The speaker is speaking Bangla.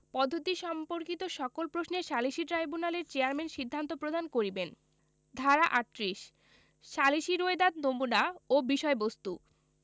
পদ্ধতি সম্পর্কিত সকল প্রশ্নের সালিসী ট্রাইব্যুনালের চেয়ারম্যান সিদ্ধান্ত প্রদান করিবেন ধারা ৩৮ সালিসী রোয়েদাদ নমুনা ও বিষয়বস্তু